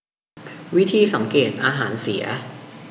วิธีสังเกตุอาหารเสีย